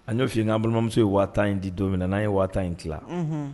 A'o fi ye'a balimamuso ye waa in di don min na n'a ye waa in tila